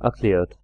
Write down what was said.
erklärt